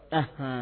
Un